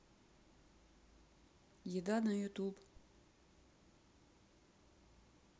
еда на ютуб